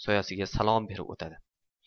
soyasiga salom berib o'tadi